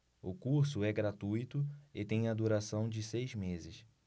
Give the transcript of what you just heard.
o curso é gratuito e tem a duração de seis meses